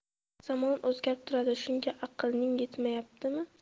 zamon o'zgarib turadi shunga aqling yetmabmidi